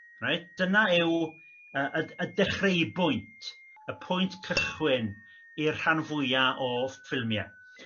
Reit dyna yw y y y dechreubwynt y pwynt cychwyn i'r rhan fwya' o ffilmie.